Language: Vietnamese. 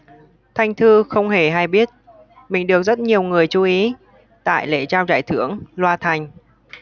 thanh thư không hề hay biết mình được rất nhiều người chú ý tại lễ trao giải thưởng loa thành